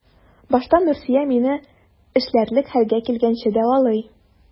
Башта Нурсөя мине эшләрлек хәлгә килгәнче дәвалый.